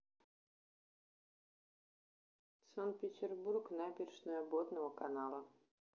санкт петербург набережная обводного канала